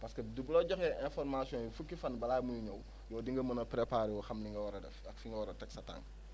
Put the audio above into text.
parce que di bu la joxee information yi fukki fan balaa muy ñëw yow di nga mën a préparer wu xam ni nga war a def ak fi nga war a teg sa tànk